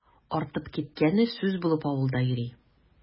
Артып киткәне сүз булып авылда йөри.